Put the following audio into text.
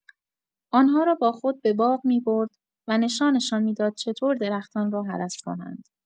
آن‌ها را با خود به باغ می‌برد و نشانشان می‌داد چطور درختان را هرس کنند.